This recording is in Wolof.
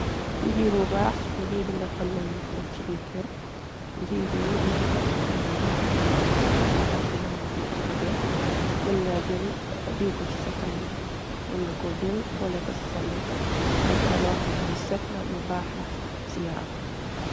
Njiibu baax, njii bi nga xamneh njung ko def ci biir kerr, njii bi nekk na loo xamneh boko aajeh wala boko dogeh mun nga jel diiw ko chi sa kanam bi, mun nga ko jel bole ko ci sa lekka, nekkna loo xamneh lu setla, lu baax la ci yaram.